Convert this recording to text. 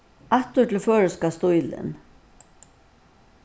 aftur til føroyska stílin